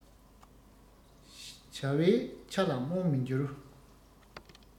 བྱ བའི ཆ ལ རྨོངས མི འགྱུར